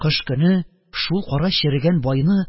Кыш көне шул кара черегән байны,